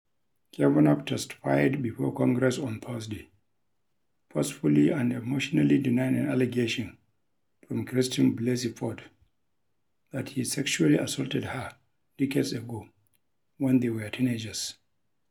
Kavanaugh testified before Congress on Thursday, forcefully and emotionally denying an allegation from Christine Blasey Ford that he sexually assaulted her decades ago when they were teenagers.